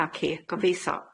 Naci gobitho.